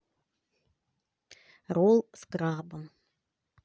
ролл с крабом